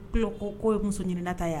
Ku k'o ye muso ɲini ta yan